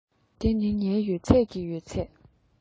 འདི ནི ངའི ཡོད ཚད ཀྱི ཡོད ཚད